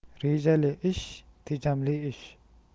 rejali ish tejamli ish